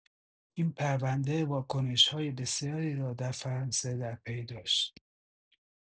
این پرونده واکنش‌های بسیاری را در فرانسه در پی داشت.